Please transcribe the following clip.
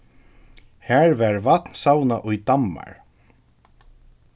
har varð vatn savnað í dammar